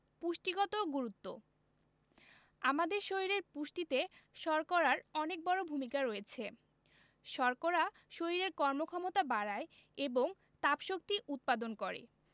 পুষ্টিগত গুরুত্ব আমাদের শরীরের পুষ্টিতে শর্করার অনেক বড় ভূমিকা রয়েছে শর্করা শরীরের কর্মক্ষমতা বাড়ায় এবং তাপশক্তি উৎপাদন করে